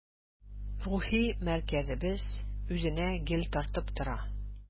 Рухи мәркәзебез үзенә гел тартып тора.